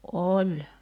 oli